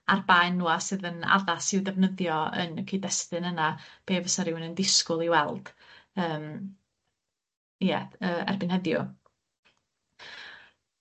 ar ba enwa' sydd yn addas i'w defnyddio yn y cyd-destun yna be fysa rywun yn disgwl 'i weld yym ia yy erbyn heddiw.